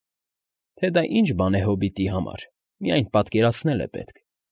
Թե դա ինչ բան է հոբիտի համար, միայն պատկերացնել է պետք։